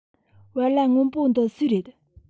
བལ ལྭ སྔོན པོ འདི སུའི རེད